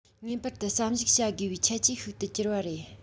ངེས པར དུ བསམ གཞིགས བྱ དགོས པའི ཁྱད ཆོས ཤིག ཏུ གྱུར པ རེད